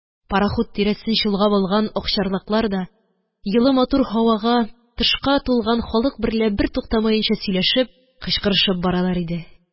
Парахут тирәсен чолгап алган акчарлаклар да, йылы матур һавага, тышка тулган халык берлә бертуктамаенча сөйләшеп, кычкырышып баралар иде.